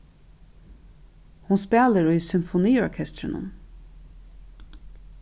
hon spælir í symfoniorkestrinum